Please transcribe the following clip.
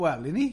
Wel, y'n ni?